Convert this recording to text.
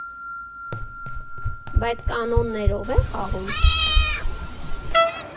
Բայց կանոններո՞վ է խաղում։